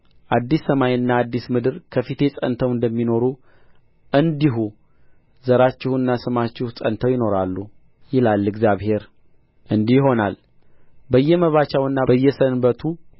አዲስ ሰማይና አዲስ ምድር ከፊቴ ጸንተው እንደሚኖሩ እንዲሁ ዘራችሁና ስማችሁ ጸንተው ይኖራሉ ይላል እግዚአብሔር እንዲህ ይሆናል በየመባቻውና በየሰንበቱ